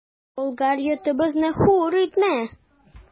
Болгар йортыбызны хур итмә!